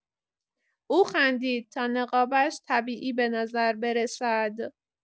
او خندید تا نقابش طبیعی به نظر برسد.